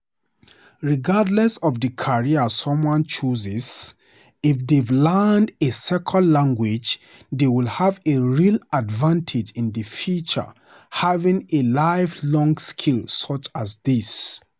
Regardless of the career someone chooses, if they've learned a second language, they'll have a real advantage in the future having a life-long skill such as this.